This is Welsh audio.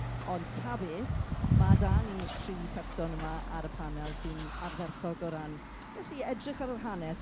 Ond, ta beth, ma' 'da ni tri person yma ar y panel sy'n ardderchog o ran gallu edrych ar yr hanes.